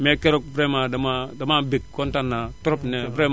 mais keroog vraiment damaa damaa bégg kontaan naa trop